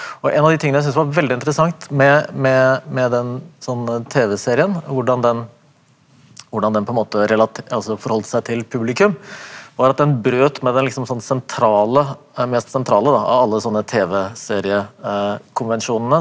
og en av de tingene jeg synes var veldig interessant med med med den sånn tv-serien hvordan den hvordan den på en måte altså forholdt seg til publikum var at den brøt med den liksom sånn sentrale mest sentrale da av alle sånne tv-seriekonvensjonene,